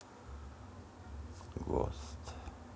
гост